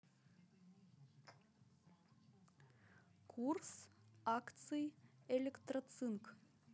курс акций электроцинк